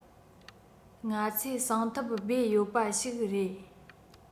ང ཚོས གསང ཐབས སྦས ཡོད པ ཞིག རེད